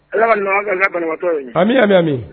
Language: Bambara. Ala ka nɔgɔya kɛ na banabaatɔ ye ami ami